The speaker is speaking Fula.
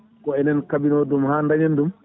ko enen kaɓino ɗum ha dañen ɗum